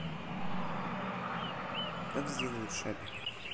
как сделают шапик